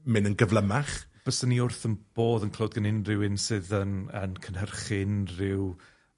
myn' yn gyflymach? Fyswn ni wrth 'yn bodd yn clywed gan unryw un sydd yn yn cynhyrchu unryw